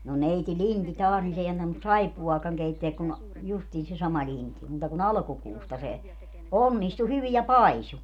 no neiti Lind taas niin se ei antanut saippuaakaan keittää kun justiin se sama Lind muuta kuin alkukuusta se onnistui hyvin ja paisui